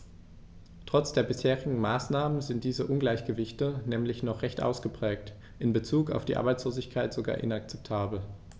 Trotz der bisherigen Maßnahmen sind diese Ungleichgewichte nämlich noch recht ausgeprägt, in bezug auf die Arbeitslosigkeit sogar inakzeptabel.